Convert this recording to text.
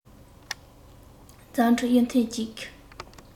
རྫས འཕྲུལ གཡུགས ཐེངས གཅིག གིས